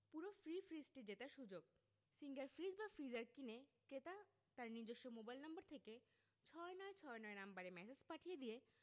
পুরো ফ্রি ফ্রিজটি জেতার সুযোগ সিঙ্গার ফ্রিজ বা ফ্রিজার কিনে ক্রেতা তার নিজস্ব মোবাইল নম্বর থেকে ৬৯৬৯ নম্বরে ম্যাসেজ পাঠিয়ে দিয়ে